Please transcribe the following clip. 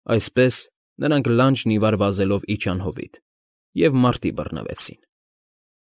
Այսպես նրանք լանջն ի վար վազելով իջան հովիտ և մարտի բռնվեցին։